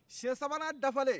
siɲa sabanan dafalen